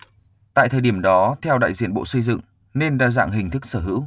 tại thời điểm đó theo đại diện bộ xây dựng nên đa dạng hình thức sở hữu